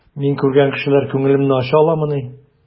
Мин күргән кешеләр күңелемне ача аламыни?